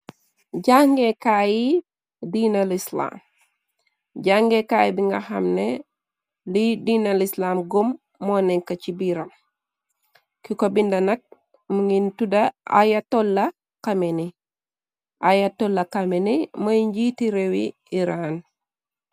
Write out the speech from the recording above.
Jàngeekayi dine lislam jàngee kaay bi nga xamne li dine Islam gom moo neka ci biiram ki ko binda nak mu ngi tuda Aya Tolla Kameni moy njiiti réwi Iran.